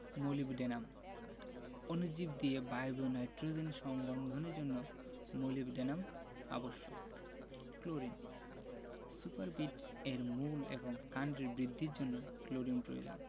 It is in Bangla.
মোলিবডেনাম অণুজীব দিয়ে বায়বীয় নাইট্রোজেন সংবন্ধনের জন্য মোলিবডেনাম আবশ্যক ক্লোরিন সুপারবিট এর মূল এবং কাণ্ডের বৃদ্ধির জন্য ক্লোরিন প্রয়োজন